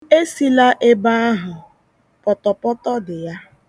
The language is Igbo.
Esila ebe ahụ! Pọtọpọtọ dị ya.